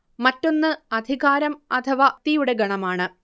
മറ്റൊന്ന് അധികാരം അഥവാ ശക്തിയുടെ ഗണമാണ്